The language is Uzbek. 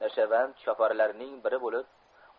nashavand choparlarning biri bo'lib